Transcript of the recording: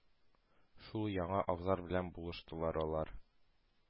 Шул яңа абзар белән булыштылар алар.